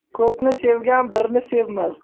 ko'pni sevgan birni sevmas